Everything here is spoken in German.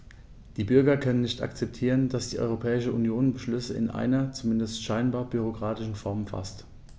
Die Bürger können nicht akzeptieren, dass die Europäische Union Beschlüsse in einer, zumindest scheinbar, bürokratischen Form faßt.